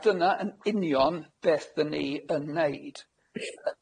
A dyna yn union beth 'dyn ni yn neud.